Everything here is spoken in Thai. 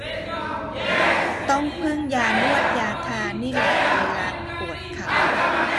ต้องพึ่งยานวดยาทานี่แหละเวลาปวดเข่า